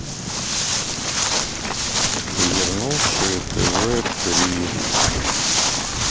вернувшиеся тв три